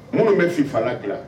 Minnu bɛ fifala dilan